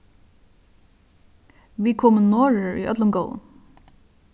vit komu norður í øllum góðum